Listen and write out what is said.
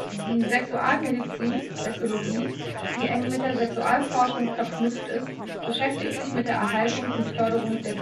Die Sexualmedizin („ Sexologie “), die eng mit der Sexualforschung verknüpft ist, beschäftigt sich mit der Erhaltung und Förderung der